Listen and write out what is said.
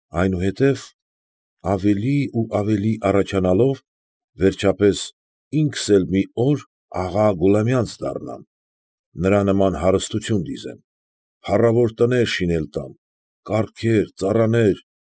Այնուհետև, ավելի ու ավելի առաջանալով, վերջապես, ինքս էլ մի օր աղա Գուլամյանց դառնամ, նրա նման հարստություն դիզեմ, փառավոր տներ շինել տամ, կառքեր, ծառաներ,